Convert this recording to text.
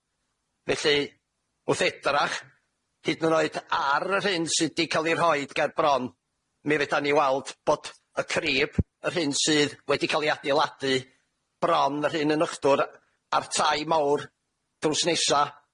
Felly w'th edrach hyd yn oed ar yr hyn sydd 'di ca'l 'i rhoid ger bron, mi fedan ni weld bod y crib yr hyn sydd wedi ca'l 'i adeiladu bron yr rhun un ychdwr â'r tai mawr drws nesa,